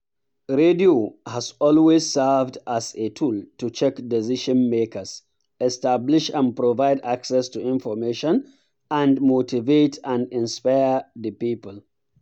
Radio has always served as a tool to check decision-makers, establish and provide access to information and motivate and inspire the people.